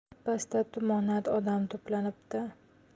birpasda tumonat odam to'planibdi